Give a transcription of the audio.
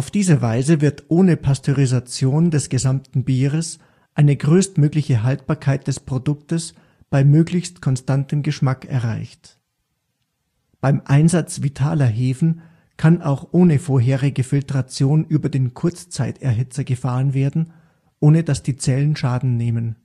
diese Weise wird ohne Pasteurisation des gesamten Bieres eine größtmögliche Haltbarkeit des Produkts bei möglichst konstantem Geschmack erreicht. Beim Einsatz vitaler Hefen kann auch ohne vorherige Filtration über den Kurzzeiterhitzer gefahren werden, ohne dass die Zellen Schaden nehmen